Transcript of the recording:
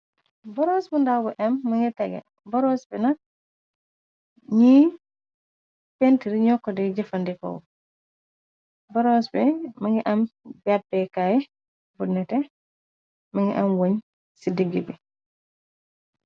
Boros bu ndaw bu im më ngi tege boros bi na ñiy pentri ñokkode jëfandikob barosb më ngi am babbekaay bunete ma ngi am woñ ci digg bi.